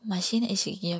mashina eshigiga